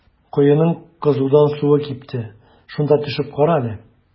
Коеның кызудан суы кипте, шунда төшеп кара әле.